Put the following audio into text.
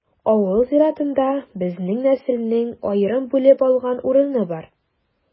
Авыл зиратында безнең нәселнең аерым бүлеп алган урыны бар.